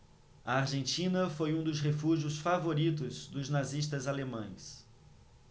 a argentina foi um dos refúgios favoritos dos nazistas alemães